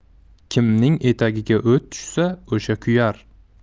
kimning etagiga o't tushsa o'sha kuyar